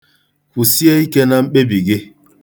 Kwụsie ike na mkpebi gị.